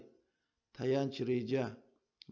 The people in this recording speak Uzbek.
tayanch reja